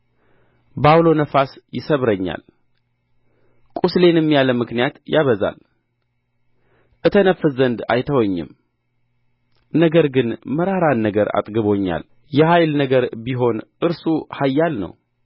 በዐውሎ ነፋስ ይሰብረኛል ቍስሌንም ያለ ምክንያት ያበዛል እተነፍስ ዘንድ አይተወኝም ነገር ግን መራራን ነገር አጥግቦኛል የኃይል ነገር ቢሆን እርሱ ኃያል ነው